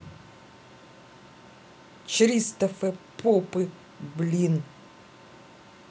christophe попы блин